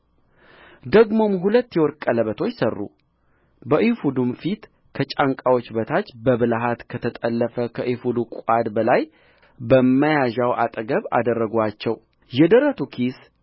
ደግሞም ሁለት የወርቅ ቀለበቶች ሠሩ በኤፉዱም ፊት ከጫንቃዎች በታች በብልሃት ከተጠለፈ ከኤፉዱ ቋድ በላይ በመያዣው አጠገብ አደረጉአቸው የደረቱ ኪስ